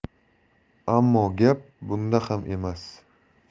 ammo gap bunda ham emas